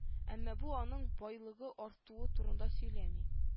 Әмма бу аның байлыгы артуы турында сөйләми